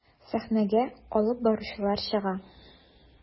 Сәхнәгә алып баручылар чыга.